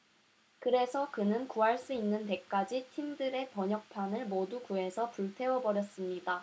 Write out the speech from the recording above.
그래서 그는 구할 수 있는 데까지 틴들의 번역판을 모두 구해서 불태워 버렸습니다